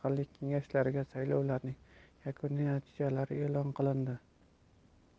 mahalliy kengashlariga saylovlarning yakuniy natijalari e'lon qilindi